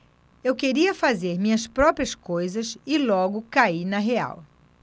eu queria fazer minhas próprias coisas e logo caí na real